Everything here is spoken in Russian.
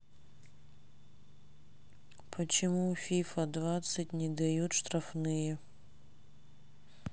почему фифа двадцать не дают штрафные